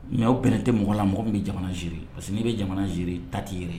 Mɛ bɛn tɛ mɔgɔ la mɔgɔ min bɛ jamana zi parce que ii bɛ jamana ziiri ta' ii yɛrɛ ye